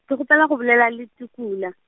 ke kgopela go bolela le Tukela.